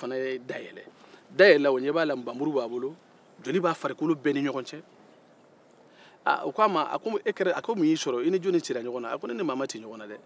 da yɛlɛ la o ɲɛ b'a la nbamuru b'a bolo joli b'a firikolo bɛɛ ni ɲɔgɔn cɛ aaa o k'a ma a ko mun y'i sɔrɔ i ni jɔnni cira ɲɔgɔnna a ko ne ni maa ma ci ɲɔgɔn na dɛ